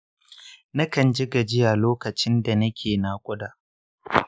nakanji gajiya lokacin da nake naƙuda